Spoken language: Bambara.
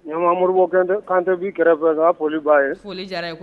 Ma mori kantebi kɛrɛfɛ fɛ foli b'a ye folioli jara ye